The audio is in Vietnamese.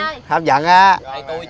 hấp dẫn ớ